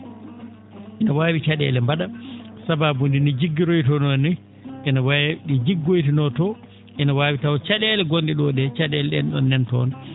ina waawi ca?eele mba?a sabaabu nde ne jiggiroytonoo ni ene wayi ?i joggoytenoo to ene waawi taw ca?eele ngon?e ?oo ?ee ca?eele ?een ?oon nan toon